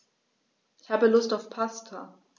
Ich habe Lust auf Pasta.